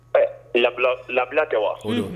Ɛɛ la labila kɛ wa